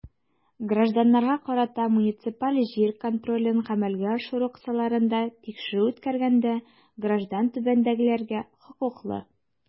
Гражданнарга карата муниципаль җир контролен гамәлгә ашыру кысаларында тикшерү үткәргәндә граждан түбәндәгеләргә хокуклы.